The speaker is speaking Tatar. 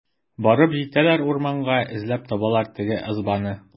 Барып җитәләр урманга, эзләп табалар теге ызбаны.